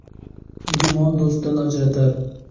gumon do'stdan ajratar